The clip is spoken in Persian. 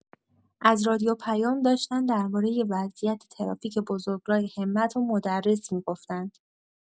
از رادیو پیام داشتن دربارۀ وضعیت ترافیک بزرگراه همت و مدرس می‌گفتن.